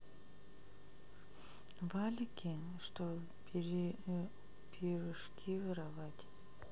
валики чтобы пирожки воровать